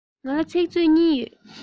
ང ལ ཚིག མཛོད གཉིས ཡོད